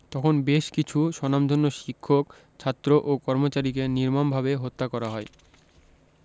তখন বেশ কিছু স্বনামধন্য শিক্ষক ছাত্র ও কর্মচারীকে নির্মমভাবে হত্যা করা হয়